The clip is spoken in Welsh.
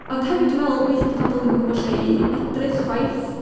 Ond hefyd, dwi'n meddwl, weithiau dyw pobl ddim yn gwbod lle i edrych chwaith.